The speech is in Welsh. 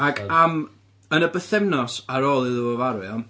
Ac am... Yn y bythefnos ar ôl iddo fo farw, iawn...